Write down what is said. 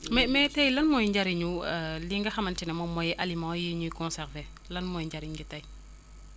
mais mais tey lan mooy njëriñu li nga xamante ne moom mooy aliment yi ñuy conservé lan mooy njëriñ li tey